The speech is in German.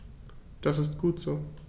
Das ist gut so.